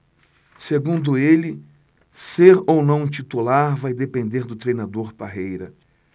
segundo ele ser ou não titular vai depender do treinador parreira